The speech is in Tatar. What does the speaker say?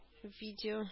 Видео